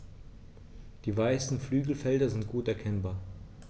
Die weißen Flügelfelder sind gut erkennbar.